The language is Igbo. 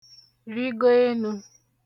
rị̀go enū